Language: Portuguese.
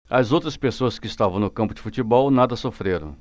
as outras pessoas que estavam no campo de futebol nada sofreram